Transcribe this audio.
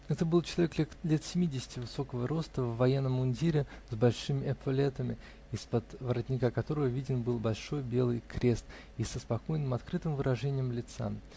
Это был человек лет семидесяти, высокого роста, в военном мундире с большими эполетами, из-под воротника которого виден был большой белый крест, и с спокойным открытым выражением лица.